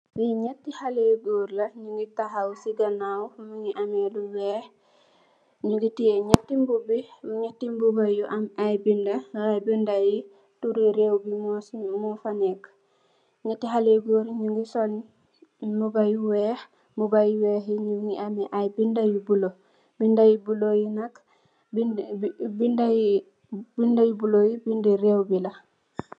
Nyetteh khaleh yu goor nyunge tahaw si ganaw nyunge teyeh nyetti mboba yu am aye bindah khaleh yange sul mboba yu wekh ak bindah yu bulah